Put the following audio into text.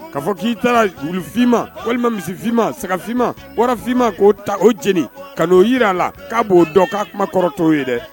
Kaa fɔ k'i taara jurufinma walima misifinma sagafinma o ffinima k'o ta oceni ka'o jira la k'a b oo dɔn k'a kuma kɔrɔ tɔw'o ye dɛ